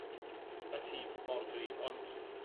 y tîm mor gryf ont